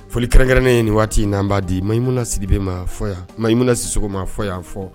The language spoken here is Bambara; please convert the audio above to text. Foli kɛrɛnkɛrɛnnen in nin waati n'an b'a di maɲminaansiridibe ma fɔ yan maɲmina siso ma fɔ fɔ